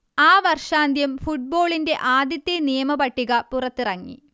ആ വർഷാന്ത്യം ഫുട്ബോളിന്റെ ആദ്യത്തെ നിയമ പട്ടിക പുറത്തിറങ്ങി